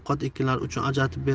ovqat ekinlari uchun ajratib berdik